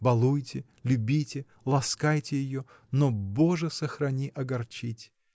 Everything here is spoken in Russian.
балуйте, любите, ласкайте ее, но Боже сохрани — огорчить!